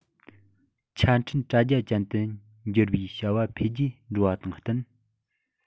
ཆ འཕྲིན དྲ རྒྱ ཅན དུ འགྱུར བའི བྱ བ འཕེལ རྒྱས འགྲོ བ དང བསྟུན